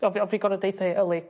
o' fi o' fi gorod deutha 'i yli